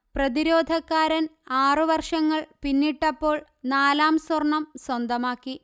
പ്രതിരോധക്കാരൻ ആറു വർഷങ്ങൾ പിന്നിട്ടപ്പോൾ നാലാം സ്വർണം സ്വന്തമാക്കി